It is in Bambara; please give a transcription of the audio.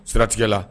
Siratigɛ la